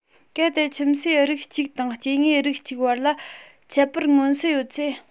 གལ ཏེ ཁྱིམ གསོས རིགས གཅིག དང སྐྱེ དངོས རིགས གཅིག བར ལ ཁྱད པར མངོན གསལ ཡོད ཚེ